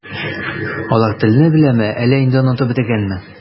Алар телне беләме, әллә инде онытып бетергәнме?